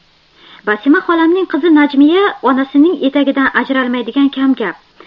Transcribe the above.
basima xolamning qizi najmiya onasining etagidan ajralmaydigan kamgap